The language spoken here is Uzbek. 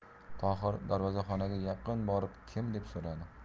tohir darvozaxonaga yaqin borib kim deb so'radi